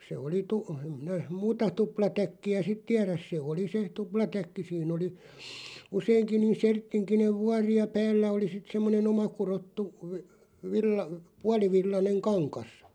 se oli - en minä muuta tuplatäkkiä sitten tiedä se oli se tuplatäkki siinä oli useinkin niin serttinkinen vuori ja päällä oli sitten semmoinen omakudottu -- puolivillainen kangas